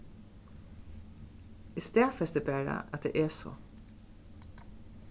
eg staðfesti bara at tað er so